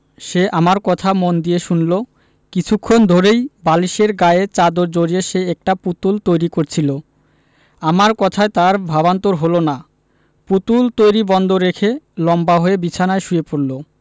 সে আমার কথা মন দিয়ে শুনলো কিছুক্ষণ ধরেই বালিশের গায়ে চাদর জড়িয়ে সে একটা পুতুল তৈরি করছিলো আমার কথায় তার ভাবান্তর হলো না পুতুল তৈরী বন্ধ রেখে লম্বা হয়ে বিছানায় শুয়ে পড়লো